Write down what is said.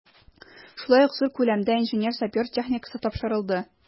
Шулай ук зур күләмдә инженер-сапер техникасы тапшырылды.